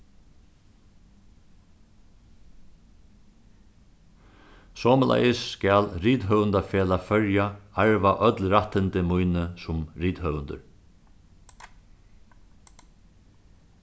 somuleiðis skal rithøvundafelag føroya arva øll rættindi míni sum rithøvundur